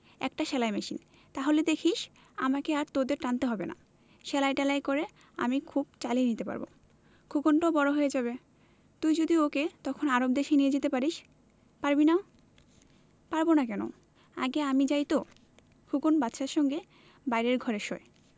একটা সেলাই মেশিন তাহলে দেখিস আমাকে আর তোদের টানতে হবে না সেলাই টেলাই করে আমি খুব চালিয়ে নিতে পারব খোকনটাও বড় হয়ে যাবে তুই যদি ওকেও তখন আরব দেশে নিয়ে যেতে পারিস পারবি না পারব না কেন আগে আমি যাই তো খোকন বাদশার সঙ্গে বাইরের ঘরে শোয়